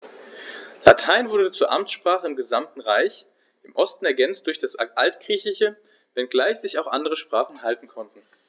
Latein wurde zur Amtssprache im gesamten Reich (im Osten ergänzt durch das Altgriechische), wenngleich sich auch andere Sprachen halten konnten.